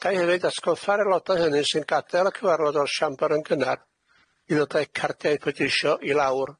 Ga'i hefyd atgoffa'r aelode hynny sy'n gadel y cyfarfod o'r siambar yn gynnar i ddod a'u cardiau pleidleisio i lawr.